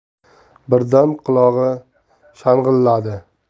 birdan qulog'i shang'illadi